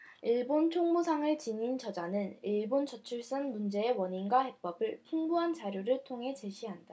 일본 총무상을 지낸 저자는 일본 저출산 문제의 원인과 해법을 풍부한 자료를 통해 제시한다